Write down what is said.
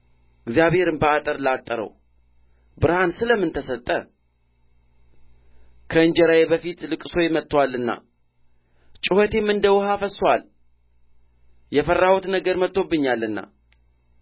እግዚአብሔርም በአጥር ላጠረው ብርሃን ስለ ምን ተሰጠ ከእንጀራዬ በፊት ልቅሶዬ መጥቶአልና ጩኸቴም እንደ ውኃ ፈስሶአል የፈራሁት ነገር መጥቶብኛልና